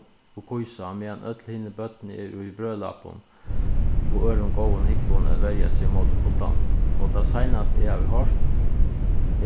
og kýsa meðan øll hini børnini eru í brølapum og øðrum góðum húgvum at verja seg ímóti kuldanum og tað seinasta eg havi hoyrt